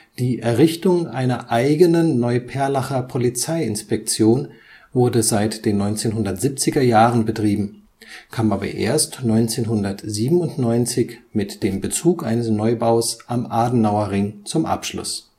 Die Errichtung einer eigenen Neuperlacher Polizeiinspektion (PI 24) wurde seit den 1970er-Jahren betrieben, kam aber erst 1997 mit dem Bezug eines Neubaus am Adenauerring zum Abschluss